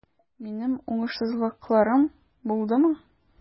Минем уңышсызлыкларым булдымы?